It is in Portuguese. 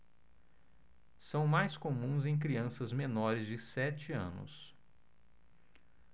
são mais comuns em crianças menores de sete anos